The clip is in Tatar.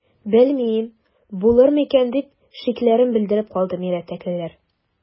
Белмим, булыр микән,– дип шикләрен белдереп калды мирәтәклеләр.